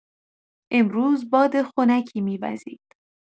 امروز باد خنکی می‌وزید.